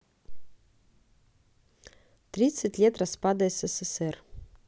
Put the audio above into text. тридцать лет распада ссср